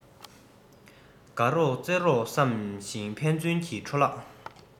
དགའ རོགས རྩེད གྲོགས བསམ ཞིང ཕན ཚུན གྱི འཕྲོ བརླག